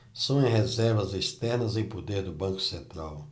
são as reservas externas em poder do banco central